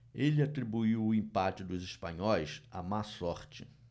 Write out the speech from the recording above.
ele atribuiu o empate dos espanhóis à má sorte